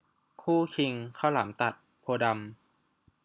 คู่คิงข้าวหลามตัดโพธิ์ดำ